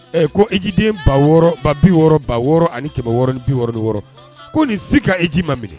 Ee ko ejiden ba wɔɔrɔ ba bi wɔɔrɔ ban wɔɔrɔ ani tɛmɛ wɔɔrɔ bi wɔɔrɔ ni wɔɔrɔ ko nin si ka eji ma minɛ